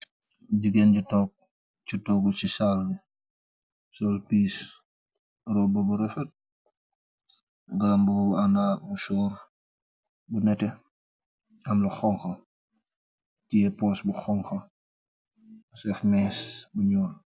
Jigeen ju tog si toogu si sal bi, sol pis, roba bu refet garambooba bu anda mu soor bu nete am la xonxo tiye pos bu xonxo def mees bu ñuul.